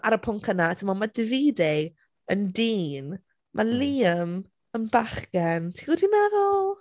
ar y pwnc yna timod mae Davide yn dyn... mm ...mae Liam yn bachgen. Ti gwybod be dwi'n meddwl?